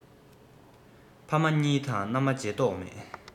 ཕ མ གཉིས དང མནའ མ བརྗེ མདོག མེད